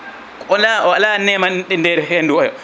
ko ala o ala neema e nder hendu oya